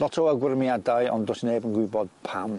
Lot o awgrymiadau ond do's neb yn gwybod pam.